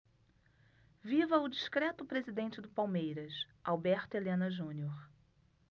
viva o discreto presidente do palmeiras alberto helena junior